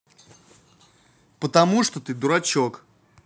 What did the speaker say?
потому что ты дурачок